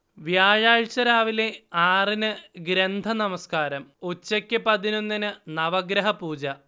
വ്യാഴാഴ്ച രാവിലെ ആറിന് ഗ്രന്ഥ നമസ്കാരം, ഉച്ചയ്ക്ക് പതിനൊന്നിന് നവഗ്രഹപൂജ